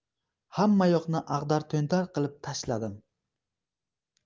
hammayoqni ag'dar to'ntar qilib tashladim